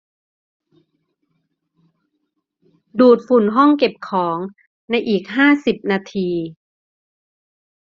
ดูดฝุ่นห้องเก็บของในอีกห้าสิบนาที